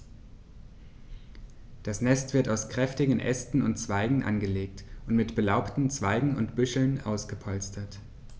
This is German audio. Das Nest wird aus kräftigen Ästen und Zweigen angelegt und mit belaubten Zweigen und Büscheln ausgepolstert.